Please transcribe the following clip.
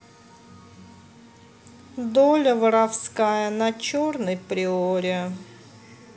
доля воровская на черной приоре